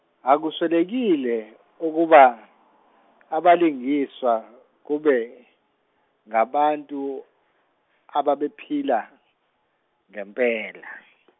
akuswelekile ukuba abalingiswa kube ngabantu ababephila, ngempela .